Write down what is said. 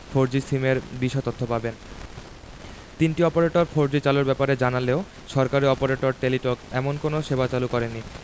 four G সিমের বিষয়ে তথ্য পাবেন তিনটি অপারেটর ফোরজি চালুর ব্যাপারে জানালেও সরকারি অপারেটর টেলিটক এমন কোনো সেবা চালু করেনি